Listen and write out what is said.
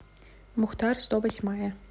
мухтар сто восьмая